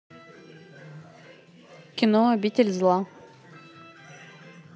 кино обитель зла